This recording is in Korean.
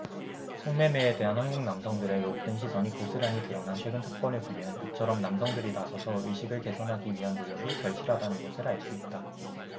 성 매매에 대한 한국 남성들의 왜곡된 시선이 고스란히 드러난 최근 사건을 보면 이처럼 남성들이 나서서 의식을 개선하기 위한 노력이 절실하다는 것을 알 수 있다